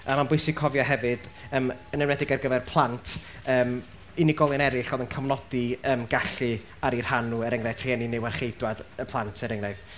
A mae'n bwysig cofio hefyd, yym yn enwedig ar gyfer plant, yym unigolion eraill oedd yn cofnodi yym gallu ar eu rhan nhw. Er enghraifft, rhieni neu warcheidwad y plant, er enghraifft.